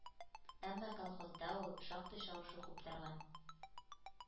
Әмма колхозда ул шактый шау-шу куптарган.